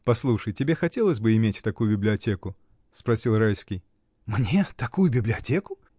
— Послушай: тебе хотелось бы иметь такую библиотеку? — спросил Райский. — Мне? Такую библиотеку?